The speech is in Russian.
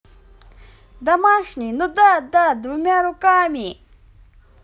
домашний ну да да двумя руками